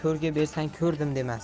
ko'rga bersang ko'rdim demas